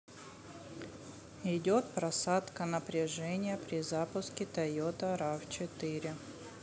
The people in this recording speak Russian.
идет просадка напряжения при запуске toyota raw четыре